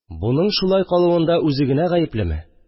Буның шулай калуында үзе генә гаеплеме